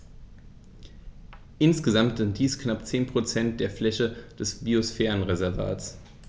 Insgesamt sind dies knapp 10 % der Fläche des Biosphärenreservates.